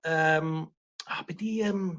yym o be 'di yym